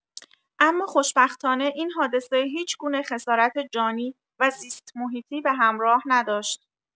اما خوشبختانه این حادثه هیچگونه خسارت جانی و زیست‌محیطی به همراه نداشت.